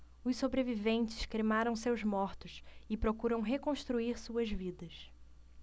os sobreviventes cremaram seus mortos e procuram reconstruir suas vidas